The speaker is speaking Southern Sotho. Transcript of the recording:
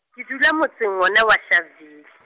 ke dula motseng wona wa Sharpeville .